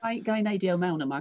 Ga i ga i neidio mewn yma?